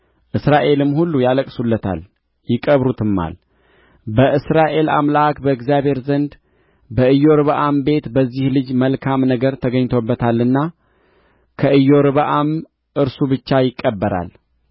እስራኤልም ሁሉ ያለቅሱለታል ይቀብሩትማል በእስራኤል አምላክ በእግዚአብሔር ዘንድ በኢዮርብዓም ቤት በዚህ ልጅ መልካም ነገር ተገኝቶበታልና ከኢዮርብዓም እርሱ ብቻ ይቀበራል